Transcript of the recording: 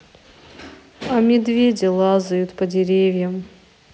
а медведи лазают по деревьям